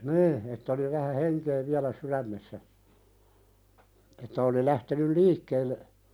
niin että oli vähän henkeä vielä sydämessä että oli lähtenyt liikkeelle